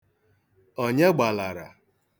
Onye gbalara?